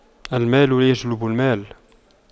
المال يجلب المال